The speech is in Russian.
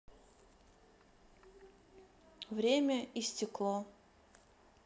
время и стекло